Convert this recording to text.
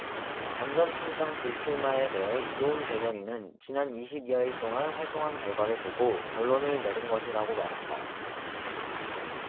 반 전 총장 불출마에 대해 이도운 대변인은 지난 이십 여일 동안 활동한 결과를 보고 결론을 내린 것이라고 말했다